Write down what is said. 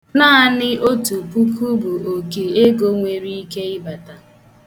Naani otu puku bụ oke ego nwere ike ịbata.